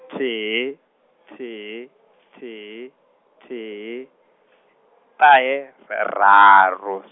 thihi thihi thihi nthihi, ṱahe r- raru.